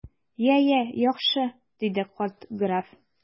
Я, я, яхшы! - диде карт граф.